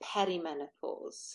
peri-menopos.